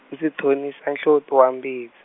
ndzi thonisa nhloti wa mbits-.